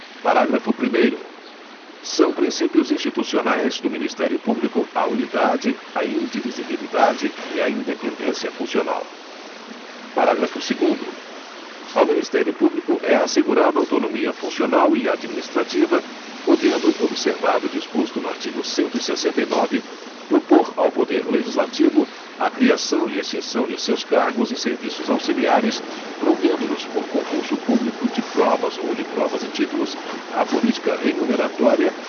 parágrafo primeiro são princípios institucionais do ministério público a unidade a indivisibilidade e a independência funcional parágrafo segundo ao ministério público é assegurada autonomia funcional e administrativa podendo observado o disposto no artigo cento e sessenta e nove propor ao poder legislativo a criação e extinção de seus cargos e serviços auxiliares provendo os por concurso público de provas ou de provas e títulos a política remuneratória